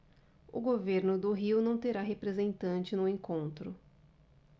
o governo do rio não terá representante no encontro